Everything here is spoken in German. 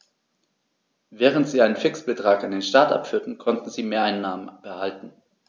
Während sie einen Fixbetrag an den Staat abführten, konnten sie Mehreinnahmen behalten.